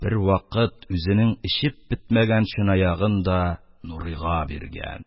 Бервакыт үзенең эчеп бетмәгән чынаягын да Нурыйга биргән.